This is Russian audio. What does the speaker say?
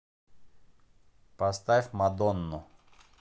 поставь мадонну